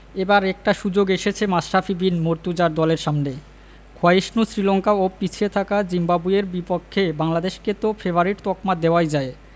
এবার একটা সুযোগ এসেছে মাশরাফি বিন মুর্তজার দলের সামনে ক্ষয়িষ্ণু শ্রীলঙ্কা ও পিছিয়ে থাকা জিম্বাবুয়ের বিপক্ষে বাংলাদেশকে তো ফেবারিট তকমা দেওয়াই যায়